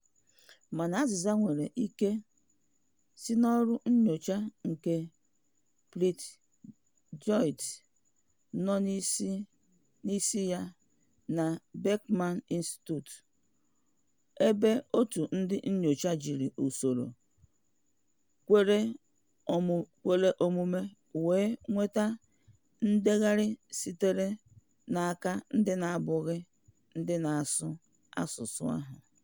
Mana azịza nwere ike si n'ọrụ nnyocha nke Preethi Jyothi no n'isi ya na Beckman Institute, ebe òtù ndị nnyocha jiri usoro kwere omume wee nweta ndegharị sitere n'aka ndị n'abụghị ndị na-asụ asụsụ ahụ.